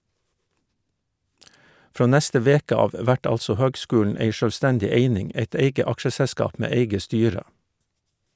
Frå neste veke av vert altså høgskulen ei sjølvstendig eining, eit eige aksjeselskap med eige styre.